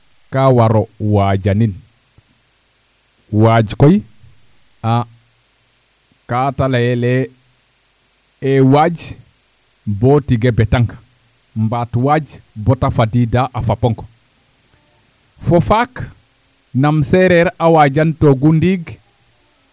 kaa war o waajanin waaj koy a kaate layel le e waaj boo tig a betang mbaat waaj baata fadiida a fapong fo faak nam seereer a waajantoogu ndiig